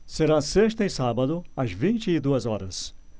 será sexta e sábado às vinte e duas horas